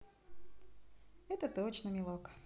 это точно милок